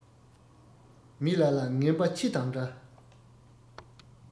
མི ལ ལ ངན པ ཁྱི དང འདྲ